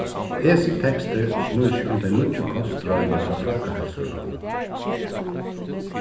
hesin tekstur snýr seg um tey nýggju kostráðini frá fólkaheilsuráðnum